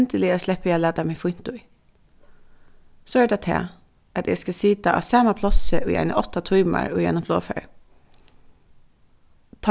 endiliga sleppi eg at lata meg fínt í so er tað tað at eg skal sita á sama plássi í eini átta tímar í einum flogfari